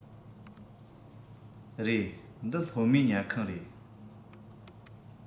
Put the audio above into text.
རེད འདི སློབ མའི ཉལ ཁང རེད